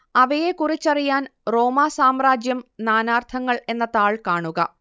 അവയെക്കുറിച്ചറിയാൻ റോമാ സാമ്രാജ്യം നാനാർത്ഥങ്ങൾ എന്ന താൾ കാണുക